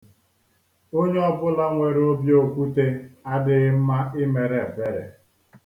Onye ọbụla nwere obi okwute adighị mma imere ebere.